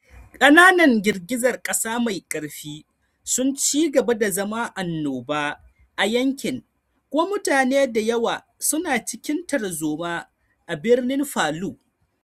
Kananan girgizar kasa mai karfi sun ci gaba da zama annoba a yankin kuma mutane da yawa su na cikin tarzoma a birnin Palu.